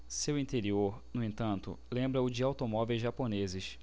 seu interior no entanto lembra o de automóveis japoneses